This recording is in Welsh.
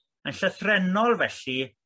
Yn llythrennol felly